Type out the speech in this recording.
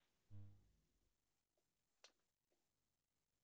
ты любишь меня ты хочешь меня